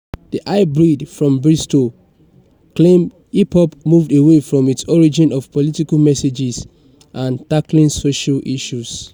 The High Breed, from Bristol, claim hip hop moved away from its origins of political messages and tackling social issues.